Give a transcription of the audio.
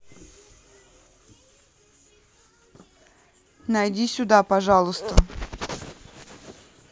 найди сюда пожалуйста